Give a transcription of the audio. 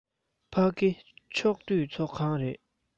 ཕ གི ཕྱོགས བསྡུས ཚོགས ཁང རེད